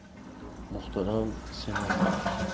muhtaram senatorlar